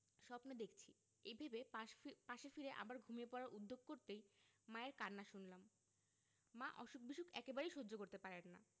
স্বপ্ন দেখছি এই ভেবে পাশ ফি পাশে ফিরে আবার ঘুমিয়ে পড়ার উদ্যোগ করতেই মায়ের কান্না শুনলাম মা অসুখ বিসুখ একেবারেই সহ্য করতে পারেন না